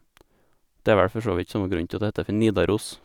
Det er vel for så vidt samme grunnen til at det heter for Nidaros.